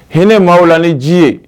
Hinɛ maa la ni ji ye